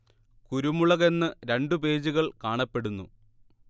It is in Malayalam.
കുരുമുളക് എന്ന് രണ്ട് പേജുകൾ കാണപ്പെടുന്നു